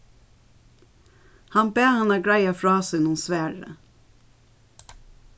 hann bað hana greiða frá sínum svari